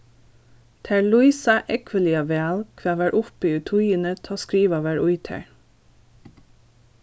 tær lýsa ógvuliga væl hvat var uppi í tíðini tá skrivað var í tær